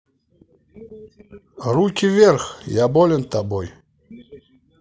руки вверх я болен тобой